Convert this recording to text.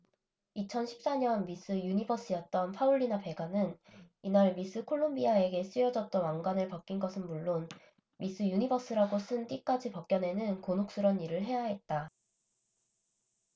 이천 십 사 년 미스 유니버스였던 파울리나 베가는 이날 미스 콜롬비아에게 씌워줬던 왕관을 벗긴 것은 물론 미스 유니버스라고 쓴 띠까지 벗겨내는 곤혹스런 일을 해야 했다